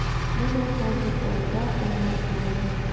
Менә хәзер алда алан булыр.